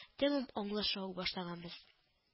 Тәмам аңлаша ук башлаганбыз